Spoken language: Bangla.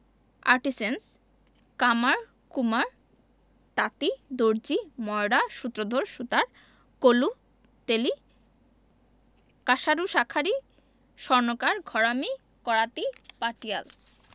আর্টিসেন্স কামার কুমার তাঁতি দর্জি ময়রা সূত্রধর সুতার কলু তেলী কাঁসারু শাঁখারি স্বর্ণকার ঘরামি করাতি পাটিয়াল